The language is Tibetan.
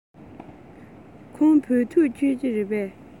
ཁོང བོད ཐུག མཆོད ཀྱི རེད པས